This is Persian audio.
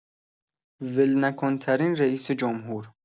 ول‌نکن‌ترین رییس‌جمهور